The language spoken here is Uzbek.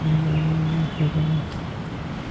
jinimdan yomon ko'raman